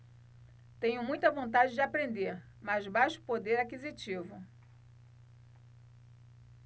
tenho muita vontade de aprender mas baixo poder aquisitivo